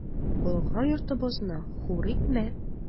Болгар йортыбызны хур итмә!